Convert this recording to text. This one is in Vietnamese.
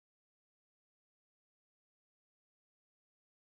bà có một khối u trong bụng nên phải mổ thôi